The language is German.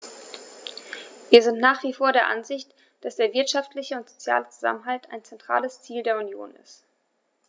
Wir sind nach wie vor der Ansicht, dass der wirtschaftliche und soziale Zusammenhalt ein zentrales Ziel der Union ist.